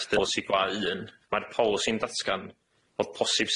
estyn polisi gwa un ma'r polisi'n datgan bod posib